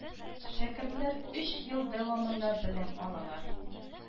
Шәкертләр өч ел дәвамында белем алалар